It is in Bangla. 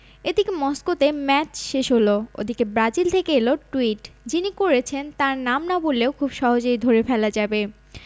এদিকে মস্কোতে ম্যাচ শেষ হলো ওদিকে ব্রাজিল থেকে এল টুইট যিনি করেছেন তাঁর নাম না বললেও খুব সহজেই ধরে ফেলা যাবে